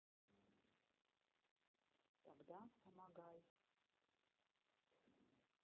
тогда помогай